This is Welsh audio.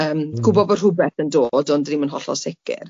Yym gwbo bod rhwbeth yn dod ond ddim yn hollol sicr